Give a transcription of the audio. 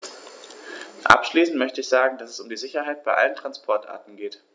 Abschließend möchte ich sagen, dass es um die Sicherheit bei allen Transportarten geht.